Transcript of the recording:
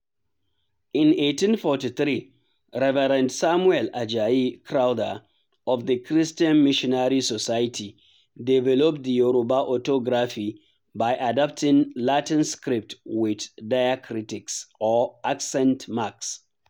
In 1843, Reverend Samuel Àjàyí Crowther of the Christian Missionary Society developed the Yorùbá orthography by adopting Latin script with diacritics — or accent marks.